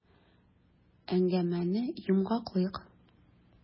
Әңгәмәне йомгаклыйк.